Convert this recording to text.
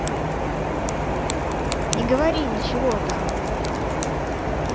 не говори ничего там